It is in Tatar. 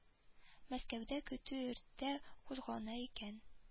Мәскәүдә көтү иртә кузгала икән